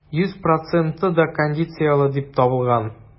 Йөз проценты да кондицияле дип табылган.